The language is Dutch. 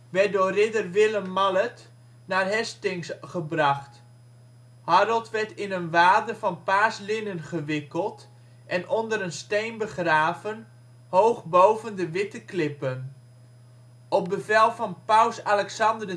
werd door ridder Willem Malet naar Hastings gebracht. Harold werd in een wade van paars linnen gewikkeld en onder een steen begraven, hoog boven de witte klippen. Op bevel van paus Alexander